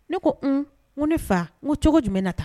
Ne ko un n ko ne fa, n ko cogo jumɛn na tan